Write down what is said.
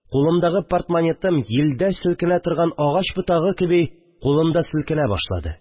Кулымдагы портмонетым җилдә селкенә торган агач ботагы кеби кулымда селкенә башлады